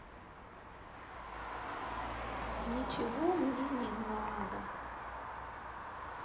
ничего мне не надо